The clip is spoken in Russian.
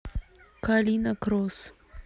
калина кросс